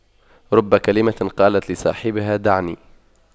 رب كلمة قالت لصاحبها دعني